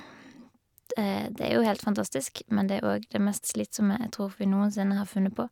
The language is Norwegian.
Det er jo helt fantastisk, men det er òg det mest slitsomme jeg tror vi noensinne har funnet på.